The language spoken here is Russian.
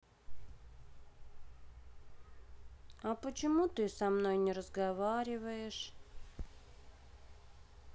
а почему ты со мной не разговариваешь